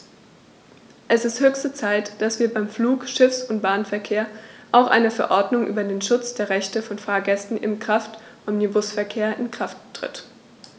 Es ist höchste Zeit, dass wie beim Flug-, Schiffs- und Bahnverkehr auch eine Verordnung über den Schutz der Rechte von Fahrgästen im Kraftomnibusverkehr in Kraft tritt.